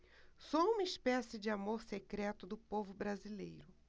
sou uma espécie de amor secreto do povo brasileiro